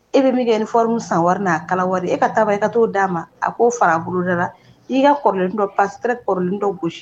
E bɛ min kɛ ni f san wari n'a kala wari e ka taa ye i ka t'o d'a ma a k'o fara boloda la i' ka kɔrɔlentɔ pa kɔrɔlentɔ gosi